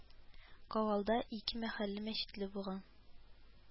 Кавалда ике мәхәллә мәчете булган